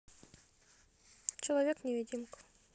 человек невидимка